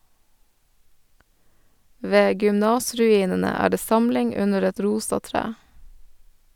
Ved gymnasruinene er det samling under et rosa tre.